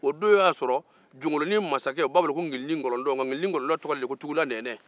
o don y'a sɔrɔ jɔnkolonin mansakɛ u b'a wele ko ngilinin ngɔlɔlɔ nka ngilinin ngɔlɔlɔ tɔgɔ de ye ko tugula nɛɛnɛ